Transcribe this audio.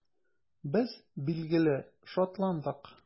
Без, билгеле, шатландык.